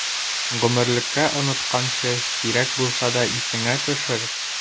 Гомерлеккә онытканчы, сирәк булса да исеңә төшер!